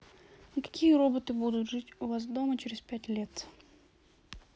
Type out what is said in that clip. а какие роботы будут жить у вас дома через пять лет